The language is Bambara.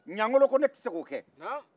ɲiangolo ko ko ne tɛ se k'o kɛ